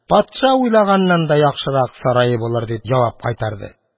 Патша уйлаганнан да яхшырак сарае булыр, – дип җавап кайтарды.